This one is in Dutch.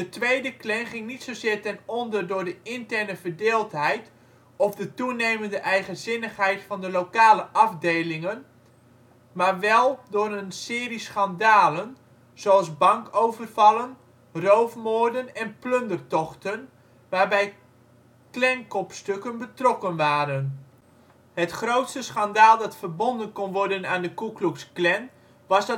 tweede Klan ging niet zozeer ten onder door de interne verdeeldheid of de toenemende eigenzinnigheid van de lokale afdelingen, maar wel door een serie schandalen zoals bankovervallen, roofmoorden en plundertochten waarbij Klankopstukken betrokken waren. Het grootste schandaal dat verbonden kon worden aan de Ku Klux Klan was